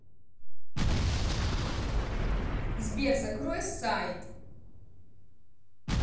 сбер закрой сайт